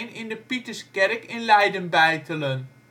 in de Pieterskerk in Leiden beitelen